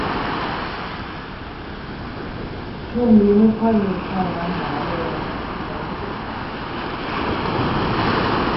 ช่วงนี้ไม่ค่อยมีใครมาหาเลยฉันรู้สึกเหงา